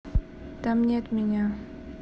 там нет меня